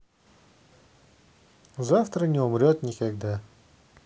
завтра не умрет никогда